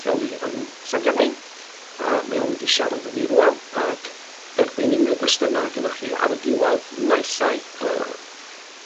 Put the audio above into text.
lleoli yn Llangefni a mae o mynd i siarad efo ni rŵan, ac derbyn unryw gwestiyna' gynnoch chi ar y diwadd naill ai yy